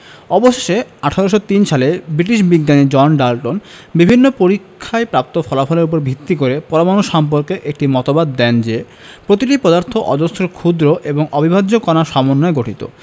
অবশেষে ১৮০৩ সালে ব্রিটিশ বিজ্ঞানী জন ডাল্টন বিভিন্ন পরীক্ষায় প্রাপ্ত ফলাফলের উপর ভিত্তি করে পরমাণু সম্পর্কে একটি মতবাদ দেন যে প্রতিটি পদার্থ অজস্র ক্ষুদ্র এবং অবিভাজ্য কণার সমন্বয়ে গঠিত